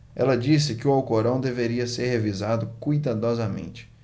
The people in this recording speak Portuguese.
ela disse que o alcorão deveria ser revisado cuidadosamente